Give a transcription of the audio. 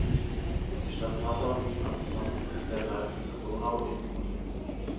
Die Stadt Passau liegt am Zusammenfluss der drei Flüsse Donau, Inn und Ilz.